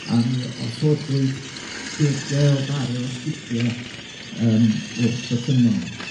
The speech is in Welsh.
a mi osodwyd dege o bare o sgidie yym wrth y ffynon,